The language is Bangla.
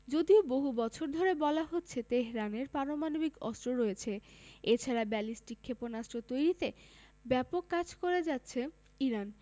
যদিও বহু বছর ধরে বলা হচ্ছে তেহরানের পারমাণবিক অস্ত্র রয়েছে এ ছাড়া ব্যালিস্টিক ক্ষেপণাস্ত্র তৈরিতে ব্যাপক কাজ করে যাচ্ছে ইরান